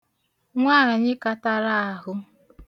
nwaànyi katara àhụ